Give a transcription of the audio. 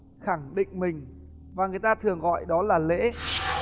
khẳng định mình và người ta thường gọi đó là lễ